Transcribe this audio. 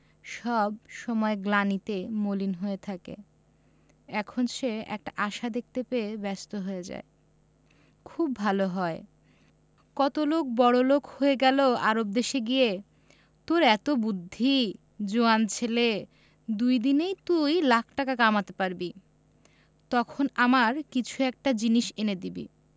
সব সময় গ্লানিতে মলিন হয়ে থাকে এখন সে একটা আশা দেখতে পেয়ে ব্যস্ত হয়ে যায় খুব ভালো হয় কত লোক বড়লোক হয়ে গেল আরব দেশে গিয়ে তোর এত বুদ্ধি জোয়ান ছেলে দুদিনেই তুই লাখ টাকা কামাতে পারবি তখন আমার কিছু একটা জিনিস এনে দিবি